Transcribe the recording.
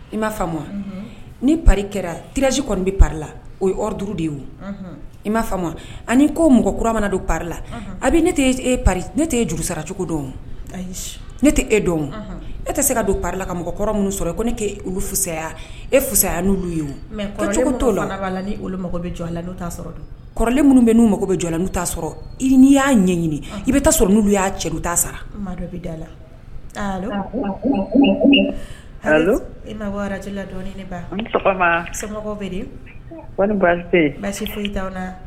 Ia ni kɛra tirasi kɔni bɛla o ye de ye ia ani ko mɔgɔkura mana don pala a ne ne tɛ juru sara cogo dɔn ne tɛ e dɔn e tɛ se ka don la ka mɔgɔ minnu sɔrɔ ko ne kɛ oluya eya n' ye t' la bɛ jɔ sɔrɔ kɔrɔlen minnu bɛ n'u mako bɛ jɔ la n'a sɔrɔ i nii y'a ɲɛɲini i bɛ taa sɔrɔ n' y'a cɛ ta sara dɔ bɛ da la e foyi